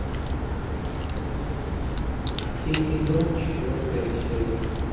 тихий дон четвертая серия